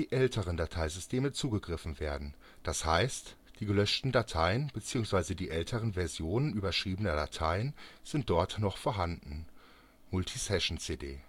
älteren Dateisysteme zugegriffen werden, das heißt, die „ gelöschten “Dateien bzw. die älteren Versionen „ überschriebener “Dateien sind dort noch vorhanden (Multisession-CD